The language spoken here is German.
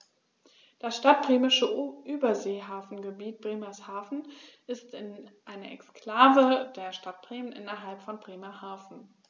Das Stadtbremische Überseehafengebiet Bremerhaven ist eine Exklave der Stadt Bremen innerhalb von Bremerhaven.